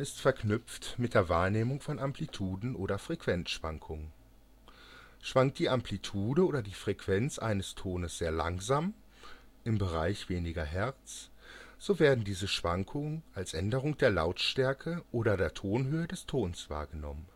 verknüpft mit der Wahrnehmung von Amplituden - oder Frequenzschwankungen Schwankt die Amplitude oder die Frequenz eines Tons sehr langsam (im Bereich weniger Hertz), so werden diese Schwankungen als Änderung der Lautstärke oder der Tonhöhe des Tons wahrgenommen